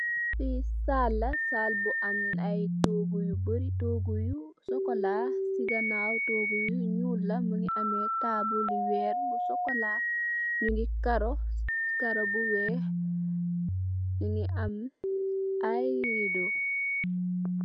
Fi saal la saal bu am ay toyu yu bari togu yu cxocola si ganaw togu yu nuul la mongi ame tabul li weer yu cxocola nyugi karo karo bu weex ñyugi am ay redo.